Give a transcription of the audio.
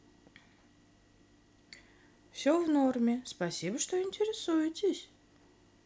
все в норме спасибо что интересуетесь